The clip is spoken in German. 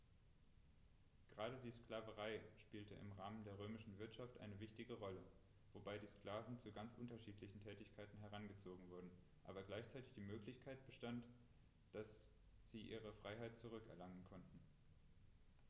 Gerade die Sklaverei spielte im Rahmen der römischen Wirtschaft eine wichtige Rolle, wobei die Sklaven zu ganz unterschiedlichen Tätigkeiten herangezogen wurden, aber gleichzeitig die Möglichkeit bestand, dass sie ihre Freiheit zurück erlangen konnten.